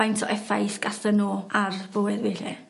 faint o effaith gathen n'w ar bywyd fi 'lly.